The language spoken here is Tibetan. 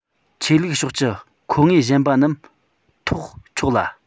ཆོས ལུགས ཕྱོགས ཀྱི མཁོ དངོས གཞན པ རྣམས ཐོགས ཆོག ལ